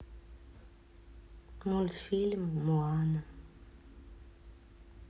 мультфильм моана